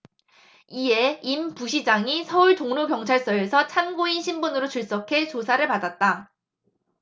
이에 임 부시장이 서울 종로경찰서에서 참고인 신분으로 출석해 조사를 받았다